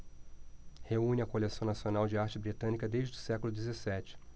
reúne a coleção nacional de arte britânica desde o século dezessete